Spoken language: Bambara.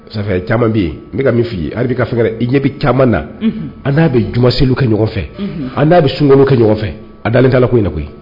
ça fait caaman bɛ yen n bɛka min fɔ i ye kaɛrɛ i ɲɛ bɛ caaman na an n'a bɛ jumaseeli kɛ ɲɔgɔn fɛ, an n'a bɛ sunkolon kɛ ɲɔgɔn fɛ, a dalen ko in na koyi!